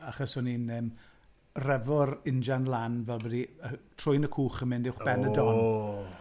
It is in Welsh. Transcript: Achos o'n i'n yym refo'r injan lan fel bod hi... y trwyn y cwch a mynd... Ww. ...uwchben y don.